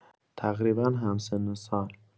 تقریبا هم‌سن و سال